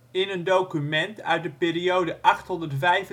In een document uit de periode 885-896